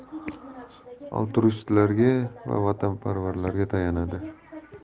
xayriya ishlariga alturistlarga va vatanparvarlarga tayanadi